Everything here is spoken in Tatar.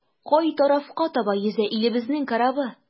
Кай тарафка таба йөзә илебезнең корабы?